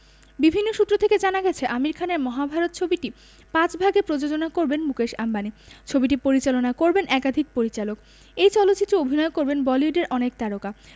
বিভিন্ন সূত্র থেকে জানা গেছে আমির খানের মহাভারত ছবিটি পাঁচ ভাগে প্রযোজনা করবেন মুকেশ আম্বানি ছবিটি পরিচালনা করবেন একাধিক পরিচালক এই চলচ্চিত্রে অভিনয় করবেন বলিউডের অনেক তারকা